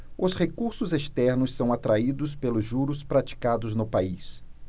os recursos externos são atraídos pelos juros praticados no país